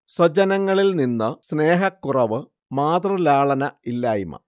സ്വജനങ്ങളിൽ നിന്നു സ്നേഹക്കുറവ്, മാതൃലാളന ഇല്ലായ്മ